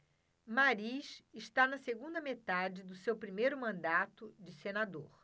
mariz está na segunda metade do seu primeiro mandato de senador